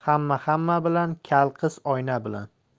hamma hamma bilan kal qiz oyna bilan